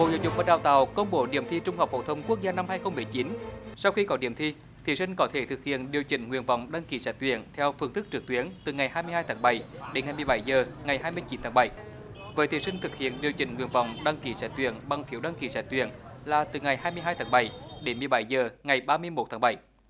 bộ giáo dục và đào tạo công bố điểm thi trung học phổ thông quốc gia năm hai không mười chín sau khi có điểm thi thí sinh có thể thực hiện điều chỉnh nguyện vọng đăng ký xét tuyển theo phương thức trực tuyến từ ngày hai mươi hai tháng bảy đến ngày mười bảy giờ ngày hai mươi chín tháng bảy với thí sinh thực hiện điều chỉnh nguyện vọng đăng ký xét tuyển bằng phiếu đăng ký xét tuyển là từ ngày hai mươi hai tháng bảy đến mười bảy giờ ngày ba mươi mốt tháng bảy